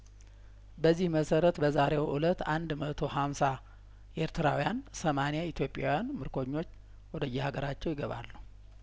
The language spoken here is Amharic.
በዚህ መሰረት በዛሬው እለት አንድ መቶ ሀምሳ ኤርትራውያን ሰማኒያ ኢትዮጵያውያን ምርኮኞች ወደ የሀገራቸው ይገባሉ